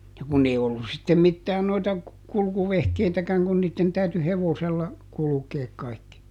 ja kun ei ollut sitten mitään noita kulkuvehkeitäkään kun niiden täytyi hevosella kulkee kaikki